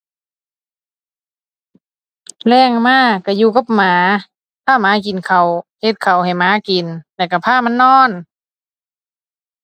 แลงมาก็อยู่กับหมา พาหมากินข้าว เฮ็ดข้าวให้หมากิน แล้วก็พามันนอน